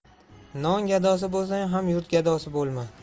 non gadosi bo'lsang ham yurt gadosi bo'lma